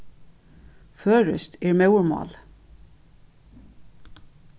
føroyskt er móðurmálið